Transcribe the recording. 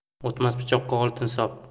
o'tmas pichoqqa oltin sop